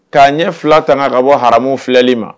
K'a ɲɛ fila tan kan ka bɔ ha filɛli ma